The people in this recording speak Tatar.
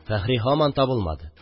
Фәхри һаман табылмады.